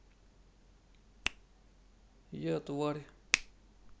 я тварь